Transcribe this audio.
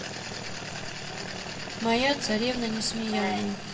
моя царевна несмеяна